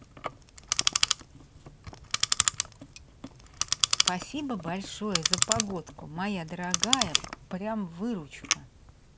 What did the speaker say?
спасибо большое за погодку моя дорогая прям выручка